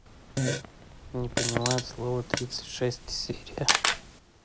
не понимает слова тридцать шестая серия